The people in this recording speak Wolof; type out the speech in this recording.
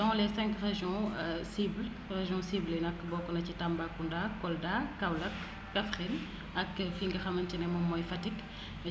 dans les cinq régions cibles régions cibles yi nag bokk na ci Tambacounda Kolda Kaolack Kaffrine ak fi nga xamante ne moom mooy Fatick